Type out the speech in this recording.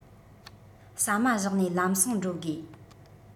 ཟ མ བཞག ནས ལམ སེང འགྲོ དགོས